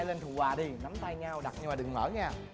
lên thùng quà đi nắm tay nhau đặt nhưng mà đừng mở nhe